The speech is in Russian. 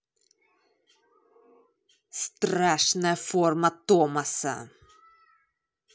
страшная форма томаса